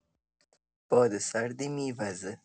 باد سردی می‌وزه.